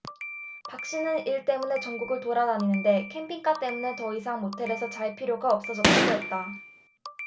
박씨는 일 때문에 전국을 돌아다니는데 캠핑카 때문에 더 이상 모텔에서 잘 필요가 없어졌다고 했다